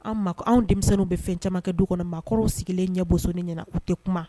An' mak anw denmisɛnninw be fɛn caman kɛ du kɔnɔ maakɔrɔw sigilen ɲɛ bosonnen ɲɛna u te kuma